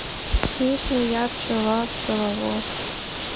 песня я пчела пчеловод